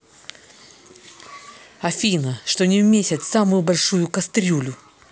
афина что не в месяц самую большую кастрюлю